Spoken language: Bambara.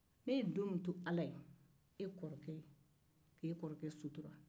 ne don min to ala ye e kɔrɔkɛ ye k'e kɔrɔkɛ sutura